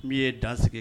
Min ye dan sigi